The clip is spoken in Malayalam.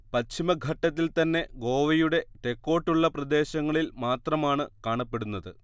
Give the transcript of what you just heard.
പശ്ചിമഘട്ടത്തിൽ തന്നെ ഗോവയുടെ തെക്കോട്ടുള്ള പ്രദേശങ്ങളിൽ മാത്രമാണ് കാണപ്പെടുന്നത്